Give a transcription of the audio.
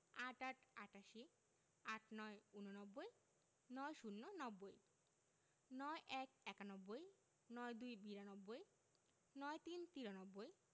৮৮ আটাশি ৮৯ ঊননব্বই ৯০ নব্বই ৯১ একানব্বই ৯২ বিরানব্বই ৯৩ তিরানব্বই